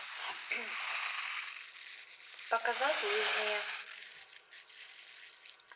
показать лыжные